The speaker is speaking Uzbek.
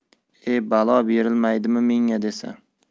e balo berilmaydimi menga desa